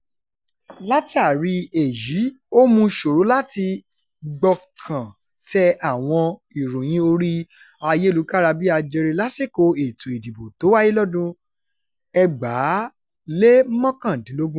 Látàrí èyí, ó mú u ṣòro láti gbọ́kàn tẹ àwọn ìròyìn orí ayélukára-bí-ajere lásìkò ètò ìdìbò tó wáyé lọ́dún-un 2019.